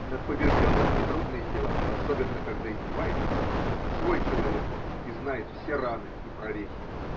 Над побежденными нетрудно издеваться, особенно когда издевающийся – свой человек и знает все раны и прорехи.